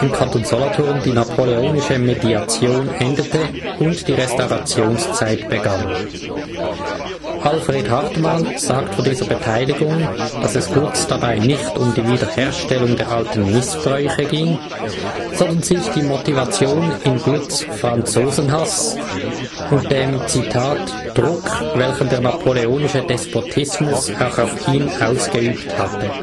Kanton Solothurn die napoleonische Mediation endete und die Restaurationszeit begann. Alfred Hartmann sagt von dieser Beteiligung, dass es Glutz dabei nicht um die „ Wiederherstellung der alten Missbräuche “ging, sondern sieht die Motivation in Glutz '„ Franzosenhass “und dem „ Druck, welchen der napoleonische Despotismus auch auf ihn ausgeübt hatte